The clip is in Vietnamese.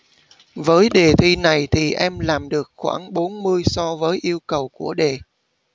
với đề thi này thì em làm được khoảng bốn mươi so với yêu cầu của đề